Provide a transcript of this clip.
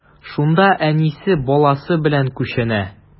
Шунда әнисе, баласы белән күченә.